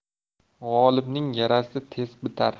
g'olibning yarasi tez bitar